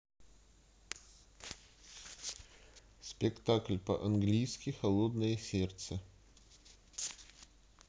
спектакль по английски холодное сердце